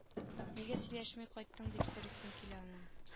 Нигә сөйләшми кайттың дип сорыйсың килә аның